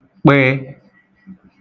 kp